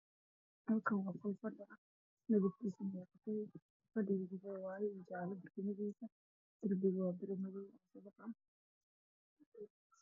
Waa maqaayad waxaa yaalla fadhi iyo kuraas madow ah waxaa ka ifaayo dheer jaalle ah